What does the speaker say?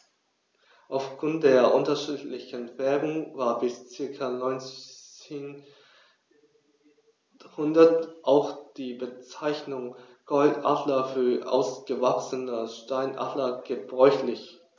Auf Grund der unterschiedlichen Färbung war bis ca. 1900 auch die Bezeichnung Goldadler für ausgewachsene Steinadler gebräuchlich.